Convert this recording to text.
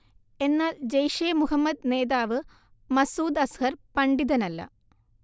എന്നാൽ ജയ്ഷെ മുഹമ്മദ് നേതാവ് മസ്ഊദ് അസ്ഹർ പണ്ഡിതനല്ല